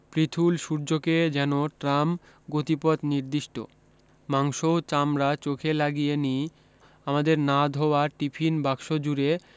পৃথুল সূর্যকে যেন ট্রাম গতিপথ নির্দিষ্ট মাংসও চামড়া চোখে লাগিয়ে নি আমাদের না ধোওয়া টিফিন বাক্স জুড়ে